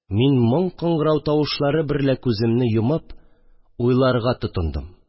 Мин моң кыңгырау тавышлары берлә күземне йомып уйларга тотындым